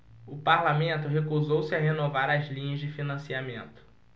o parlamento recusou-se a renovar as linhas de financiamento